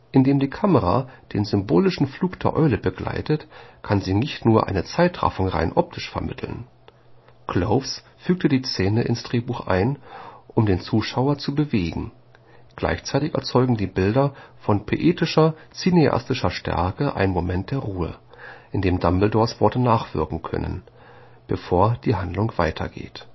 Indem die Kamera den symbolischen Flug der Eule begleitet, kann sie nicht nur eine Zeitraffung rein optisch vermitteln. Kloves fügte die Szene ins Drehbuch ein, um den Zuschauer zu bewegen. Gleichzeitig erzeugen die Bilder von poetischer cineastischer Stärke einen Moment der Ruhe, in dem Dumbledores Worte nachwirken können, bevor die Handlung weitergeht